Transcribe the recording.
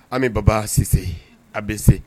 An bɛ baba sise a bɛ se